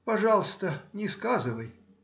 Пожалуйста, не сказывай.